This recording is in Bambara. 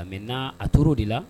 A mɛ a tora o de la